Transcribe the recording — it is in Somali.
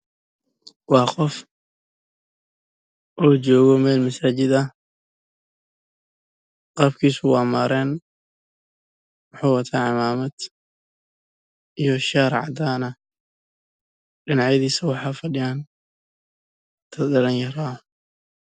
Waa nin wato shaati iyo ciidamada ku fadhiyo kursi